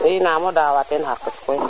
i nangamo dawa teen xaqes koy